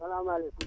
salaamaalikum